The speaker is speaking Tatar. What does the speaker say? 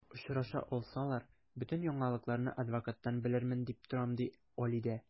Очраша алсалар, бөтен яңалыкларны адвокаттан белермен дип торам, ди Алидә.